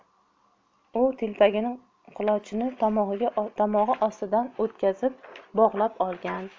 u telpagining quloqchinini tomog'i ostidan o'tkazib bog'lab olgan